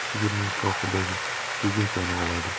sigirning shoxidagi tugunchani oladi